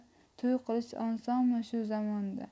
to'y qilish osonmi shu zamonda